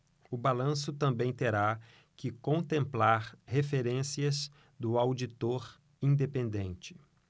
o balanço também terá que contemplar referências do auditor independente